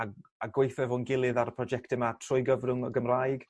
a a gweitho efo'n gilydd ar y projecte 'ma trwy gyfrwng y Gymraeg